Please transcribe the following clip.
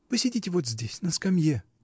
Посидите вот здесь, на скамье.